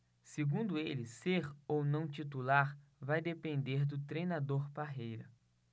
segundo ele ser ou não titular vai depender do treinador parreira